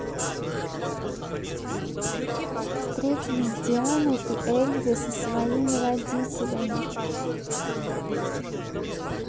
встретились с дианой и эльзы со своими родителями